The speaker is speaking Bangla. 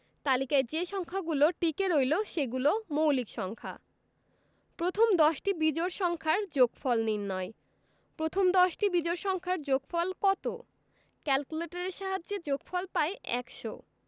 তালিকায় যে সংখ্যাগুলো টিকে রইল সেগুলো মৌলিক সংখ্যা প্রথম দশটি বিজোড় সংখ্যার যোগফল নির্ণয় প্রথম দশটি বিজোড় সংখ্যার যোগফল কত ক্যালকুলেটরের সাহায্যে যোগফল পাই ১০০